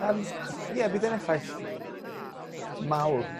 Yym ie bydd e'n effaith mawr